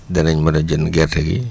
danañ mën a jënd gerte gi